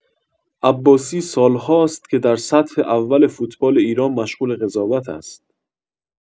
عباسی سال‌هاست در سطح اول فوتبال ایران مشغول قضاوت است.